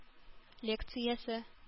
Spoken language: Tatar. Лекциясе